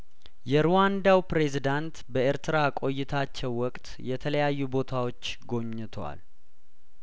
የሩዋንዳው ፕሬዚዳንት በኤርትራ ቆይታቸው ወቅት የተለያዩ ቦታዎች ጐብኝተዋል